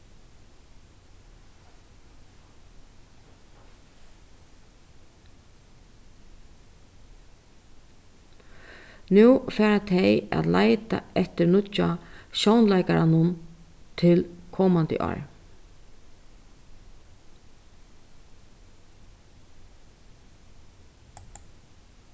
nú fara tey at leita eftir nýggja sjónleikaranum til komandi ár